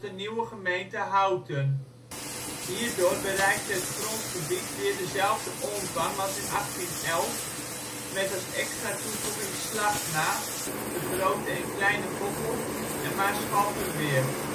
nieuwe gemeente Houten. Hierdoor bereikte het grondgebied weer de zelfde omvang als in 1811 met als extra toevoeging Slachtmaat, de Grote en Kleine Koppel en Maarschalkerweerd